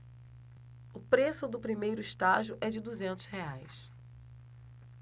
o preço do primeiro estágio é de duzentos reais